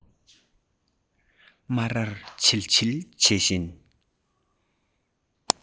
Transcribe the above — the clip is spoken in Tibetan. སྨ རར བྱིལ བྱིལ བྱེད བཞིན